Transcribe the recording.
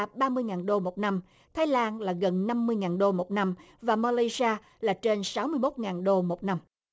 là ba mươi ngàn đô một năm thái lan là gần năm mươi ngàn đô một năm và ma lai si a là trên sáu mươi mốt ngàn đô một năm